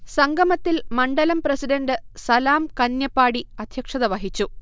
സംഗമത്തിൽ മണ്ഢലം പ്രസിഡന്റ് സലാം കന്ന്യപ്പാടി അദ്ധ്യക്ഷത വഹിച്ചു